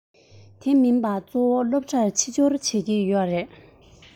དེ མིན པ གཙོ བོ སློབ གྲྭར ཕྱི འབྱོར བྱེད ཀྱི ཡོད རེད